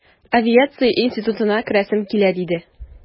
Авиация институтына керәсем килә, диде...